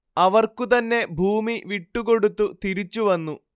അവർക്കു തന്നെ ഭൂമി വിട്ടുകൊടുത്തു തിരിച്ചു വന്നു